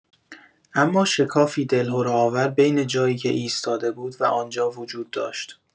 اما شکافی دلهره‌آور بین جایی که ایستاده بود و آنجا وجود داشت.